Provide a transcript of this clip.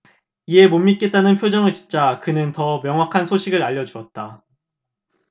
이에 못 믿겠다는 표정을 짓자 그는 더 명확한 소식을 알려주었다